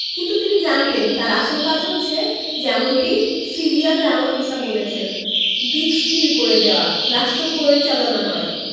কিন্তু তিনি জানতেন তাঁর আসল কাজ হচ্ছে যেমনটি সিরিল রামাফোসা বলেছেন দিক স্থির করে দেওয়া রাষ্ট্রপরিচালনা নয়